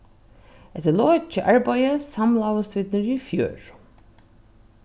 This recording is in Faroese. eftir lokið arbeiði samlaðust vit niðri í fjøru